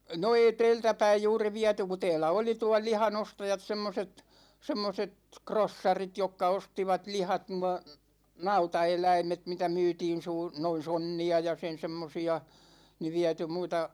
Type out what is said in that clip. no ei täältä päin juuri viety kun täällä oli tuon lihan ostajat semmoiset semmoiset krossarit jotka ostivat lihat nuo nautaeläimet mitä myytiin - noin sonnia ja sen semmoisia niin viety muita